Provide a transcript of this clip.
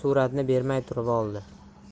suratni bermay turib oldi